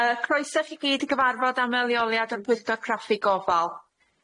Yy croeso i chi gyd i gyfarfod amleoliad y pwyllgor craffu gofal.